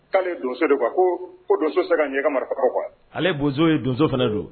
K'ale donso de kuwa ko ko donso se ka ɲɛ ka marifa kuwa ale bo ye donso fana don